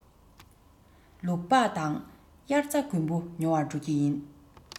ལུག པགས དང དབྱར རྩྭ དགུན འབུ ཉོ བར འགྲོ གི ཡིན